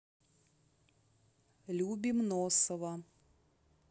любим носова